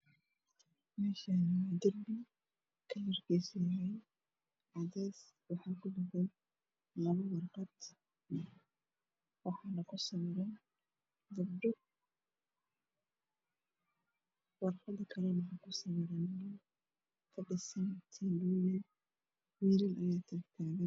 Meeshaan waa darbi kalarkiisu waa cadeys waxaa kudhagan labo warqad waxaa kusawiran gabdho. Warqada kalana waxaa kusawiran wiilal taagtaagan.